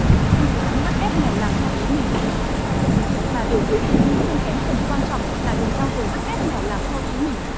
không cố gắng bắt ép mèo làm theo ý mình và điều cuối cùng nhưng không kém phần quan trọng là đừng bao giờ bắt ép mèo làm theo ý mình